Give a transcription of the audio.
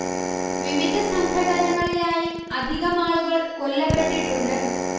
വിവിധ സംഘട്ടനങ്ങളിലായി അധികം ആളുകൾ കൊല്ലപ്പെട്ടിട്ടുണ്ട്